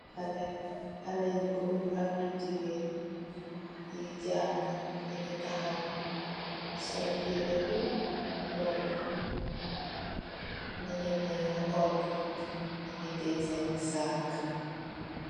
Hale hale yu goor ak yu jigeen yi jange nyu ngi takhaw sol yereh bu moov yenen nyaagi odu nyu ngi tee Sen sac